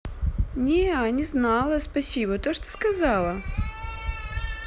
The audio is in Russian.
не а не знала спасибо то что сказала